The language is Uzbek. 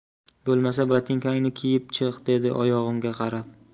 bo'lmasa botinkangni kiyib chiq dedi oyog'imga qarab